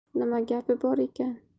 nima gapi bor ekan